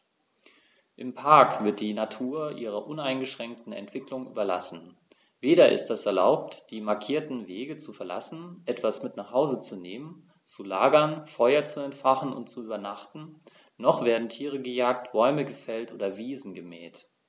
Im Park wird die Natur ihrer uneingeschränkten Entwicklung überlassen; weder ist es erlaubt, die markierten Wege zu verlassen, etwas mit nach Hause zu nehmen, zu lagern, Feuer zu entfachen und zu übernachten, noch werden Tiere gejagt, Bäume gefällt oder Wiesen gemäht.